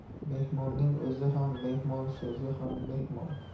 mehmonning o'zi ham mehmon so'zi ham mehmon